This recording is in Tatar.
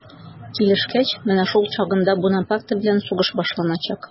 Килешкәч, менә шул чагында Бунапарте белән сугыш башланачак.